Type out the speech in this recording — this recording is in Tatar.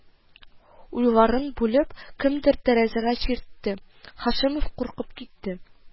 Уйларын бүлеп, кемдер тәрәзәгә чиртте, Һашимов куркып китте